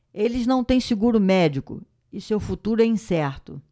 eles não têm seguro médico e seu futuro é incerto